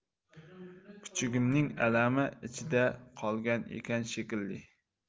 kuchugimning alami ichida qolgan ekan shekilli